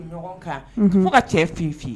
Mɔgɔ ka cɛ f fɔ ye